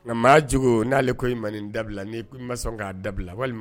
Nka maajugu n'ale ko i ma nin dabila ni ma sɔn k'a dabila walima